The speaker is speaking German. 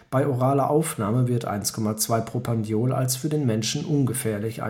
Bei oraler Aufnahme wird 1,2-Propandiol als für den Menschen ungefährlich